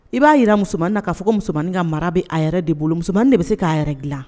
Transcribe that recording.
I b'a jira musomani na ka fɔ ko musomani ka mara bɛ a yɛrɛ de bolo musomani de bɛ se k'a yɛrɛ gilan.